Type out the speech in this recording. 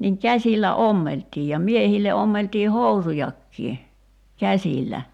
niin käsillä ommeltiin ja miehille ommeltiin housujakin käsillä